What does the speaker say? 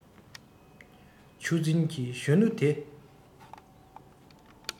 ཆུ འཛིན གྱི གཞོན ནུ དེ